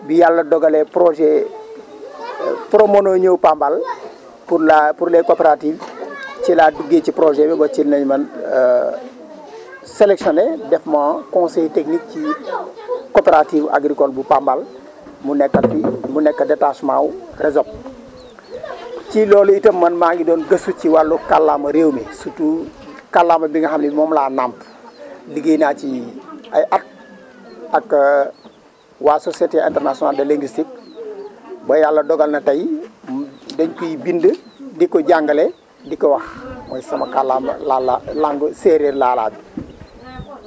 bi yàlla dogalee projet Promono ñëw Pambal pour la pour les coopératives ci laa duggee ci projet bi ba ci la ñu ma selectionné def ma conseil technique ci coopérative agricole bu Pambal mu nekk nag mu nekk détachement wu Resop ci loolu itam man maa ngi doon gëstu ci wàllu kàllaama réew mi surtout kàllaama bi nga xam ne moom laa nàmp liggéey naa ci ay at ak waa société internationale de linguistique ba yàlla dogal na tey dañ koy bind di ko jàngale di kowax mooy sama kàllaama lala langue séeréer lala bi